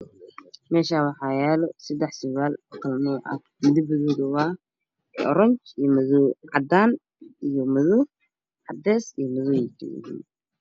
Meshan waxaa yala sedax surwal midabkoodu waa oronji madow cadan iyo madow kala yihiin